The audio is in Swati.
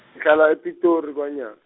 ngihlala ePitori kwanya-.